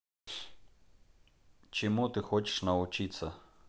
чему ты хочешь научиться